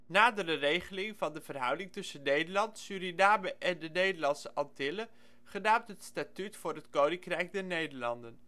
Nadere regeling van de verhouding tussen Nederland, Suriname en de Nederlandse Antillen, genaamd het Statuut voor het Koninkrijk der Nederlanden